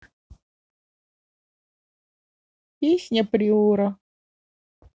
песня приора